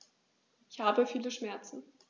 Ich habe viele Schmerzen.